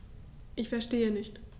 Ich verstehe nicht.